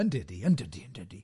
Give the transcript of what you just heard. Undydy, undydy, undydy.